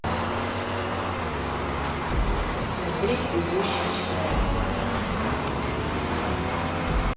смотреть бегущий человек